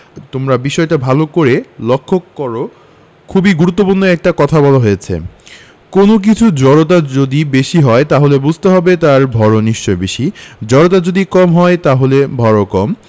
তোমরা বিষয়টা ভালো করে লক্ষ করো খুব গুরুত্বপূর্ণ একটা কথা বলা হয়েছে কোনো কিছুর জড়তা যদি বেশি হয় তাহলে বুঝতে হবে তার ভরও নিশ্চয়ই বেশি জড়তা যদি কম হয় তাহলে ভরও কম